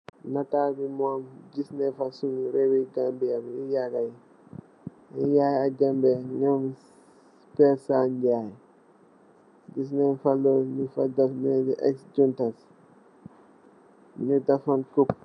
Nataal bi mom gis nay fa suñu rëwu Gambiya, ñom Yaya Jamé, ñom Péér Saar Ñaay. Ñung fa gis ex junta